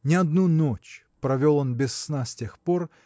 Не одну ночь провел он без сна с тех пор